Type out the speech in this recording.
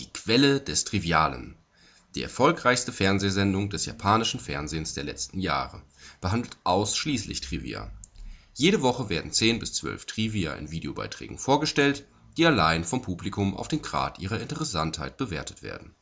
Quelle des Trivialen, die erfolgreichste Fernsehsendung des japanischen Fernsehens der letzten Jahre, behandelt ausschließlich Trivia: Jede Woche werden zehn bis zwölf Trivia in Videobeiträgen vorgestellt, die allein vom Publikum auf den Grad ihrer Interessantheit bewertet werden